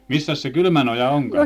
missäs se Kylmänoja onkaan